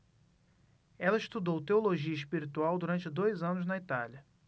ela estudou teologia espiritual durante dois anos na itália